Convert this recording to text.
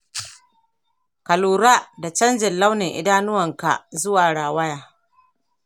ka lura da canjin launin idanuwanka zuwa rawaya